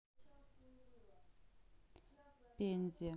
пензе